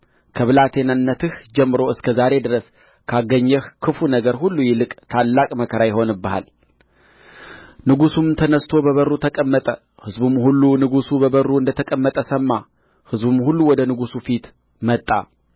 ከብላቴናነትህ ጀምሮ እስከ ዛሬ ድረስ ካገኘህ ክፉ ነገር ሁሉ ይልቅ ታላቅ መከራ ይሆንብሃል ንጉሡም ተነሥቶ በበሩ ተቀመጠ ሕዝቡም ሁሉ ንጉሡ በበሩ እንደ ተቀመጠ ሰማ ሕዝቡም ሁሉ ወደ ንጉሡ ፊት መጣ